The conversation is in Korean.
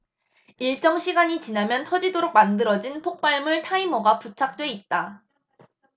일정 시간이 지나면 터지도록 만들어진 폭발물 타이머가 부착돼 있다